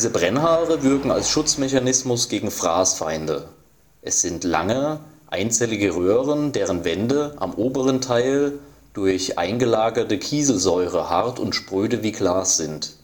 Brennhaare wirken als Schutzmechanismus gegen Fraßfeinde. Es sind lange einzellige Röhren, deren Wände im oberen Teil durch eingelagerte Kieselsäure hart und spröde wie Glas sind